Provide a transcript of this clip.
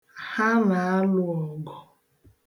Ha na-alụ ọgụ.